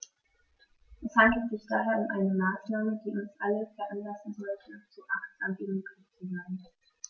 Es handelt sich daher um eine Maßnahme, die uns alle veranlassen sollte, so achtsam wie möglich zu sein.